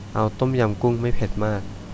เอาต้มยำกุ้งไม่เผ็ดมาก